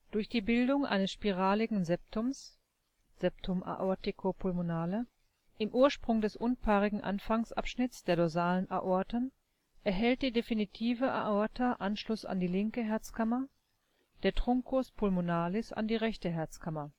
Durch die Bildung eines spiraligen Septums (Septum aorticopulmonale) im Ursprung des unpaarigen Anfangsabschnitts der dorsalen Aorten erhält die definitive Aorta Anschluss an die linke Herzkammer, der Truncus pulmonalis an die rechte Herzkammer